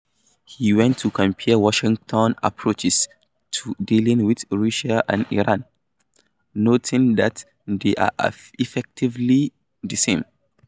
He went to compare Washington's approaches to dealing with Russia and Iran, noting that they are effectively the same.